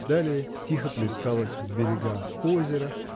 далее тихо плескалось в берега озеро